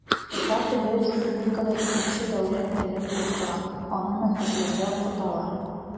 Татар теле республикада икенче дәүләт теле булып тора, аны мәктәпләрдә укыталар.